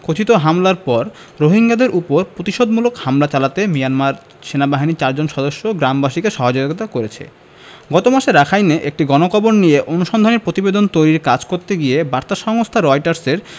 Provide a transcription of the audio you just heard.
কথিত হামলার পর রোহিঙ্গাদের ওপর প্রতিশোধমূলক হামলা চালাতে মিয়ানমার সেনাবাহিনীর চারজন সদস্য গ্রামবাসীকে সহযোগিতা করেছে গত মাসে রাখাইনে একটি গণকবর নিয়ে অনুসন্ধানী প্রতিবেদন তৈরির কাজ করতে গিয়ে বার্তা সংস্থা রয়টার্সের